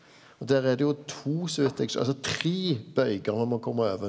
og der er det jo to så vidt eg altså tre bøygar ein må komma over.